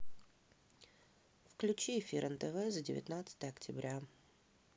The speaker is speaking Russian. включи эфир нтв за девятнадцатое октября